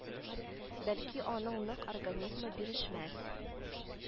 Бәлки аның нык организмы бирешмәс